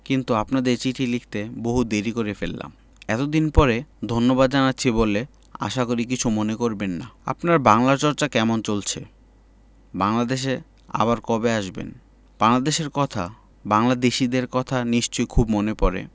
কিন্তু আপনাদের চিঠি লিখতে বহু দেরী করে ফেললাম এতদিন পরে ধন্যবাদ জানাচ্ছি বলে আশা করি কিছু মনে করবেন না আপনার বাংলা চর্চা কেমন চলছে বাংলাদেশে আবার কবে আসবেন বাংলাদেশের কথা বাংলাদেশীদের কথা নিশ্চয় খুব মনে পরে